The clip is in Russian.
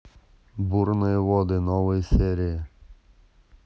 бурные воды новые серии